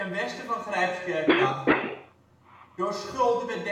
westen van Grijpskerk lag. Door schulden